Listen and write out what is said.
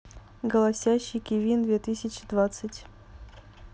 голосящий кивин две тысячи двадцать